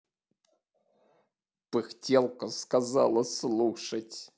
пыхтелка сказка слушать